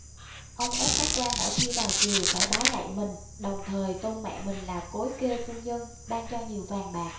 ông ép các quan mỗi khi vào triều phải bái lạy mình đồng thời tôn mẹ mình là cối kê phu nhân ban cho nhiều vàng bạc